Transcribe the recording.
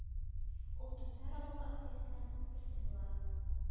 Ул түнтәр авылы активистларының берсе була